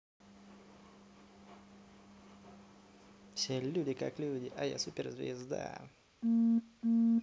все люди как люди а я суперзвезда